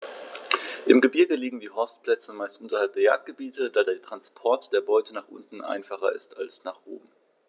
Im Gebirge liegen die Horstplätze meist unterhalb der Jagdgebiete, da der Transport der Beute nach unten einfacher ist als nach oben.